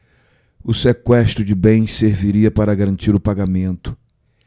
o sequestro de bens serviria para garantir o pagamento